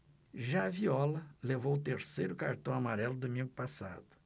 já viola levou o terceiro cartão amarelo domingo passado